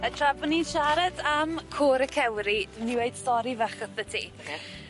A tra bo' ni'n siarad am Côr y Cewri wi myn' i weud stori fach wrthot ti. Ocê.